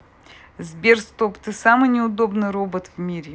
сбер стоп ты самый неудобный робот в мире